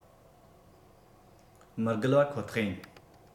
མི བརྒལ བ ཁོ ཐག ཡིན